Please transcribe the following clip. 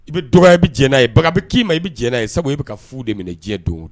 I bɛ dɔgɔ i bɛ diɲɛ ye ba bɛ k'i ma i bɛ jɛnɛ ye sabu i bɛ ka fu de minɛ diɲɛ don